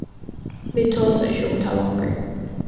vit tosa ikki um tað longur